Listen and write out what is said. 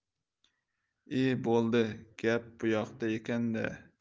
e bo'ldi gap buyoqda ekan da